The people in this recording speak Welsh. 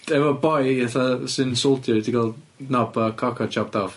Efo boi fatha sy'n soldier 'di ga'l nob a coc o chopped off.